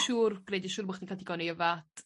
...siwr gwneud yn siwr bo' chdi'n ca'l digon i yfad.